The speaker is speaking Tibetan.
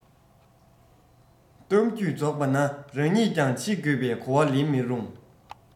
གཏམ རྒྱུད རྫོགས པ ན རང ཉིད ཀྱང འཆི དགོས པའི གོ བ ལེན མི རུང